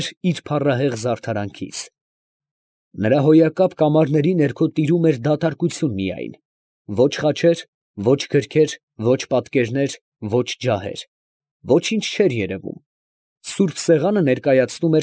Էր իր փառահեղ զարդարանքից, նրա հոյակապ կամարների ներքո տիրում էր դատարակություն միայն. ո՛չ խաչեր, ո՛չ գրքեր, ո՛չ պատկերներ, ո՛չ ջահեր, ոչինչ չէր երևում. սուրբ սեղանը ներկայացնում։